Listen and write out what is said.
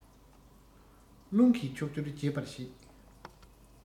རླུང གིས ཕྱོགས བཅུར རྒྱས པར བྱེད